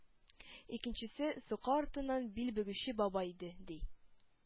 Икенчесе — сука артыннан бил бөгүче бабай иде, ди.